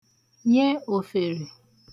nye òfèrè